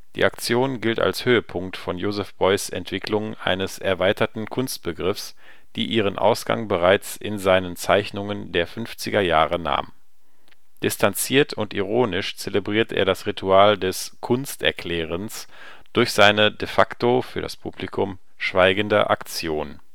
Die Aktion gilt als Höhepunkt von Joseph Beuys’ Entwicklung eines erweiterten Kunstbegriffs, die ihren Ausgang bereits in seinen Zeichnungen der 50er Jahre nahm. Distanziert und ironisch zelebriert er das Ritual des „ Kunst-Erklärens “durch seine de facto (für das Publikum) schweigende Aktion